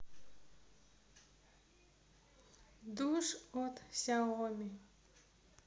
душ от xiaomi